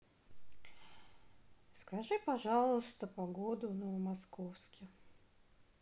скажи пожалуйста погоду в новомосковске